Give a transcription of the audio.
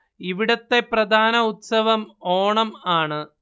ഇവിടത്തെ പ്രധാന ഉത്സവം ഓണം ആണ്